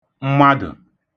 mmadụ̀